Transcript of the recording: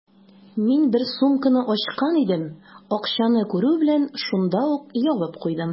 Мин бер сумканы ачкан идем, акчаны күрү белән, шунда ук ябып куйдым.